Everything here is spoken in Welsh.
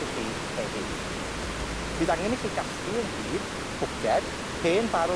i chi heddi. Bydd angen i chi gasglu ynghyd bwced, hen bâr o